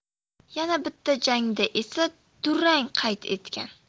yana bitta jangda esa durang qayd etgan